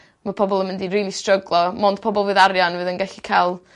ma' pobol yn mynd i rili stryglo, mond pobol with arian fydd yn gallu ca'l